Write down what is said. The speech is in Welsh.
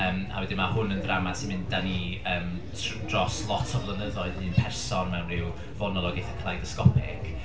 Yym, a wedyn ma' hwn yn ddrama sy'n mynd â ni, yym tr- dros lot o flynyddoedd un person mewn ryw fonolog eitha kaleidoscopic.